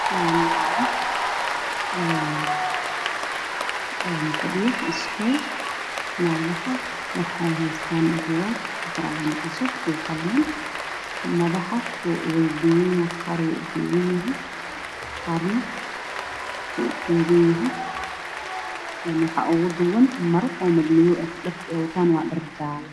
Waa naago fadhiyo iskuul waxay haystaan buugaag io qalimo waxay qorayaan cashar madaxa qaar wuu u duuban yahay qaarna wuu u faydan yahay waxana ugu duuban maro madmadoow ah dharka ay wataan waa dhar jaale ah